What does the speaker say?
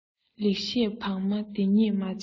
ལེགས བཤད བང བ འདི གཉིས མ སྦྱངས ན